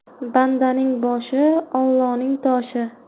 bandaning boshi olloning toshi